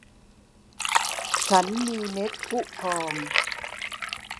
ฉันมีเม็ดพุพอง